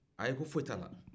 ayi ko foyi t'a la